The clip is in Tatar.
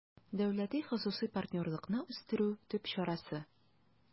«дәүләти-хосусый партнерлыкны үстерү» төп чарасы